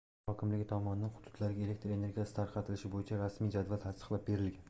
viloyat hokimligi tomonidan hududlarga elektr energiyasi tarqatilishi bo'yicha rasmiy jadval tasdiqlab berilgan